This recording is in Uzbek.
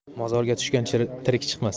mozorga tushgan tirik chiqmas